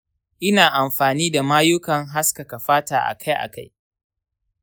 ina amfani da mayukan haskaka fata akai-akai